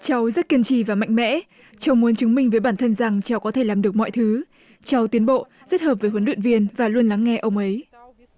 cháu rất kiên trì và mạnh mẽ cháu muốn chứng minh với bản thân rằng cháu có thể làm được mọi thứ cháu tiến bộ rất hợp với huấn luyện viên và luôn lắng nghe ông ấy